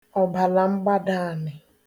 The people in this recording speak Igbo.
ọ̀bàlàmgbadàànì